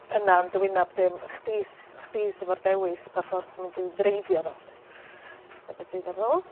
yna yn dy wynab di m- a chdi s- ff- chdi sy 'fo'r dewis pa ffor ti mynd i ddreifio fo 'lly. 'Na be' dwi feddwl.